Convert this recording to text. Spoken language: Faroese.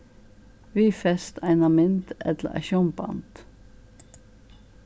viðfest eina mynd ella eitt sjónband